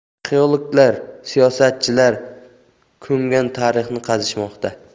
arxeologlar siyosatchilar ko'mgan tarixni qazishmoqda